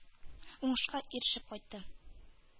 Уңышка ирешеп кайтты.